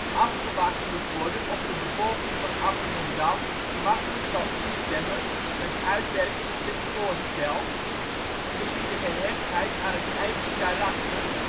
Afgewacht moet worden of de bevolking van Appingedam gemakkelijk zal instemmen met uitwerking van dit voorstel, gezien de gehechtheid aan het eigen karakter